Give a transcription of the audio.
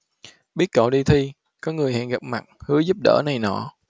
biết cậu đi thi có người hẹn gặp mặt hứa giúp đỡ này nọ